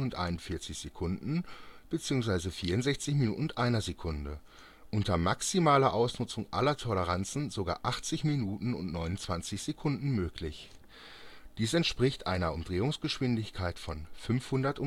74:41 Min. bzw. 64:01 Min., unter maximaler Ausnutzung aller Toleranzen 80:29 Min, möglich. Dies entspricht einer Umdrehungsgeschwindigkeit von 500